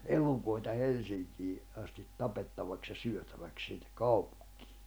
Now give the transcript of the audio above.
elukoita Helsinkiin asti tapettavaksi ja syötäväksi sinne kaupunkiin